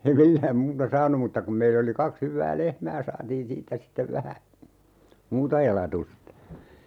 ei millään muuta saanut mutta kun meillä oli kaksi hyvää lehmää saatiin siitä sitten vähän muuta elatusta